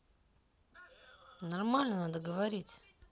нормально надо говорить